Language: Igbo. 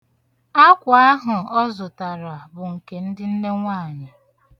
Akwa ahụ ọ zụtara bụ nke ndị nnenwaànyị̀.